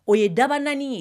O ye dabanani ye